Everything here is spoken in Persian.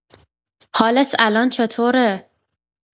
حالت الان چطوره؟